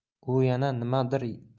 u yana nimadir